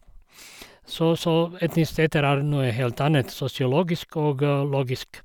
så Så etnisiteter er noe helt annet, sosiologisk og logisk.